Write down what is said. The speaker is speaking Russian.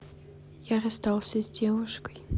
я расстался с девушкой